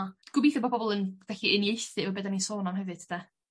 a gobeithio bo bobol yn felly uniaethu o be' 'dan ni'n sôn am hefyd de?